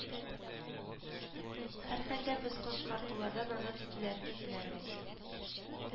Һәрхәлдә без кыскартулардан азат итүләрен үтенәбез